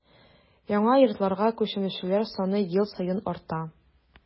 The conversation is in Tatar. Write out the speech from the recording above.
Яңа йортларга күченүчеләр саны ел саен арта.